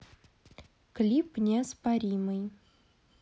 клип неоспоримый